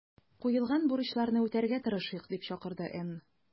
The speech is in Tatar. Куелган бурычларны үтәргә тырышыйк”, - дип чакырды Н.